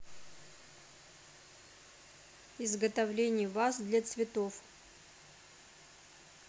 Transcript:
изготовление ваз для цветов